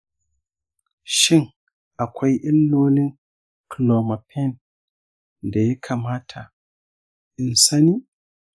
shin akwai illolin clomifene da ya kamata in sani?